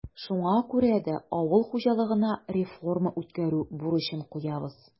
Шуңа күрә дә авыл хуҗалыгына реформа үткәрү бурычын куябыз.